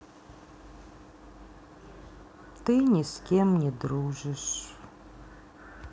ты ни с кем не дружишь